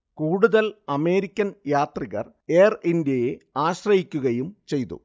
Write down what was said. കൂടുതൽ അമേരിക്കൻ യാത്രികർ എയർഇന്ത്യയെ ആശ്രയിക്കുകയും ചെയ്തു